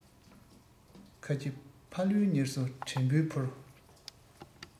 ཁ ཆེ ཕ ལུའི བསྙེལ གསོ དྲན པོས ཕུལ